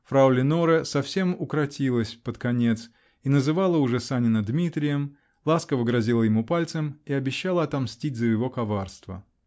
-- Фрау Леноре совсем укротилась под конец -- и называла уже Санина Дмитрием, ласково грозила ему пальцем и обещала отомстить за его коварство.